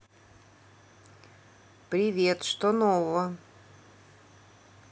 привет что нового